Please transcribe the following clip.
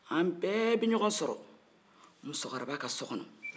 an bɛɛ bɛ ɲɔgɔ sɔrɔ musokɔrɔba ka so kɔnɔ